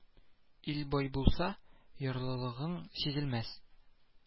Ил бай булса, ярлылыгың сизелмәс